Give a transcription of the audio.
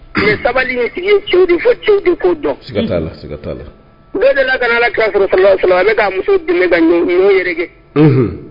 Sabali dɔn dɔla ka ala ne ka muso dɛmɛ ka yɛrɛ